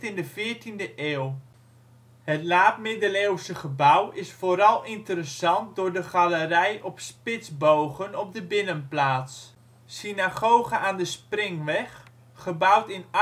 de veertiende eeuw. Het laat-middeleeuwse gebouw is vooral interessant door de galerij op spitsbogen op de binnenplaats. Synagoge aan de Springweg, gebouwd in